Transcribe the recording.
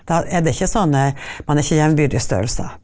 da er det ikke sånn der man er ikke jevnbyrdige størrelser.